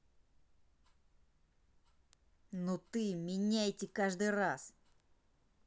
ну ты меняйте каждый раз